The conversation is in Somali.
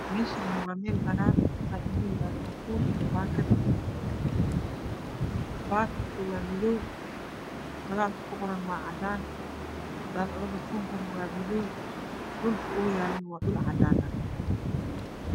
Meshaan waxaa inoo yaalo barfuun iyo baakat bakatka wa madoow qoraalka ku qoran waxaa cadaan barfuunka waa madoow meesha uu yalana waa cadaan